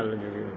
Allah jogii